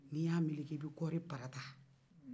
n'i y'a meleke i bɛ kɔɔri parata